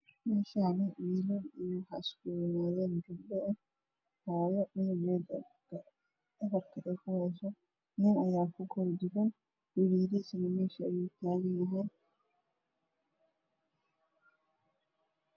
Meeshaan wiilal iyo gabdho ayaa iskugu imaaday iyo hooyo cunug dhabarka kuwadato, nin ayaa kukor dugan. Wiil yariisana meesha ayuu taagan yahay.